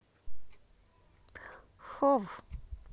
how